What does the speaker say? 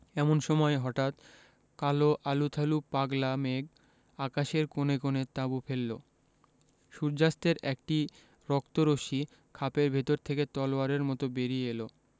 এমন সময় হঠাৎ কাল আলুথালু পাগলা মেঘ আকাশের কোণে কোণে তাঁবু ফেললো সূর্য্যাস্তের একটি রক্ত রশ্মি খাপের ভেতর থেকে তলোয়ারের মত বেরিয়ে এল